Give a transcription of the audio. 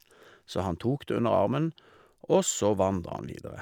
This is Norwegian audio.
Så han tok det under armen, og så vandra han videre.